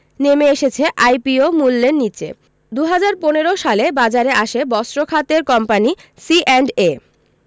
নেমে এসেছে আইপিও মূল্যের নিচে ২০১৫ সালে বাজারে আসে বস্ত্র খাতের কোম্পানি সিঅ্যান্ডএ